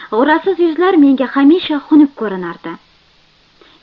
g'urrasiz yuzlar menga hamisha xunuk ko'rinardi